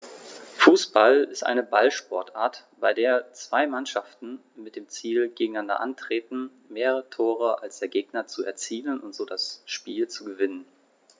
Fußball ist eine Ballsportart, bei der zwei Mannschaften mit dem Ziel gegeneinander antreten, mehr Tore als der Gegner zu erzielen und so das Spiel zu gewinnen.